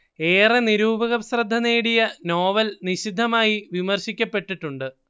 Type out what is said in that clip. ഏറെ നിരൂപകശ്രദ്ധ നേടിയ നോവൽ നിശിതമായി വിമർശിക്കപ്പെട്ടിട്ടുമുണ്ട്